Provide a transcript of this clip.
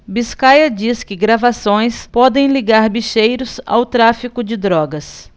biscaia diz que gravações podem ligar bicheiros ao tráfico de drogas